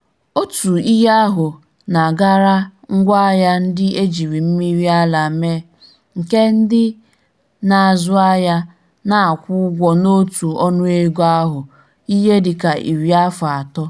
Otu ihe ahu na-agara ngwaahịa ndị ejiri mmmiri ara mee, nke ndị na-azụahịa na-akwụ ụgwọ n'otu ọnụego ahụ ihe dịka ịrị afọ atọ.